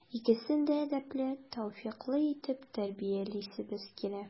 Икесен дә әдәпле, тәүфыйклы итеп тәрбиялисебез килә.